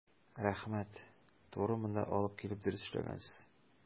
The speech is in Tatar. Рәхмәт, туры монда алып килеп дөрес эшләгәнсез.